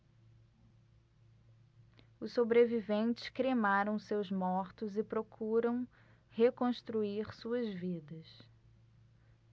os sobreviventes cremaram seus mortos e procuram reconstruir suas vidas